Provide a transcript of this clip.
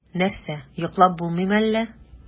Нәрсә, йоклап булмыймы әллә?